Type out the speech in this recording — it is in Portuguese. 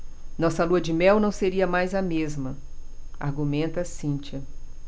nossa lua-de-mel não seria mais a mesma argumenta cíntia